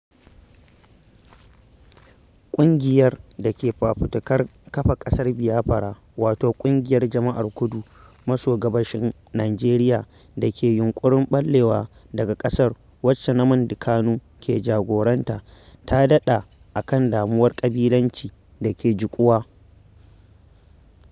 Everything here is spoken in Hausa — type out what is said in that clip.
ƙungiyar da ke Fafutukar Kafa ƙasar Biafra, wato ƙungiyar jama'ar kudu maso gabashin Nijeriya da ke yunƙurin ɓallewa daga ƙasar, wacce Nnamdi Kanu ke jagoranta, ta daɗa a kan damuwar ƙabilanci da ke jiƙuwa.